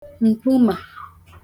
m̀kpumà